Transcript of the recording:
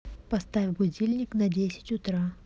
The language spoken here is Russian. поставь будильник на десять утра